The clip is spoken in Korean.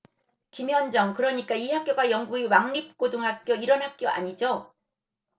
김현정 그러니까 이 학교가 영국의 왕립고등학교 이런 학교 아니죠